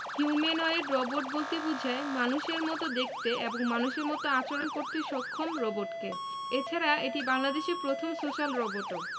humanoid robot বলতে বোঝায় মানুষের মতো দেখতে এবং মানুষের মতো আচরণ করতে সক্ষম রোবটকে এছাড়া এটি বাংলাদেশের প্রথম সোশ্যাল রোবটও